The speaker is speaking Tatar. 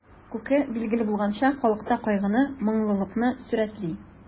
Күке, билгеле булганча, халыкта кайгыны, моңлылыкны сурәтли.